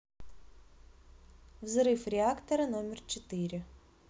взрыв реактора номер четыре